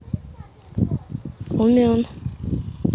умен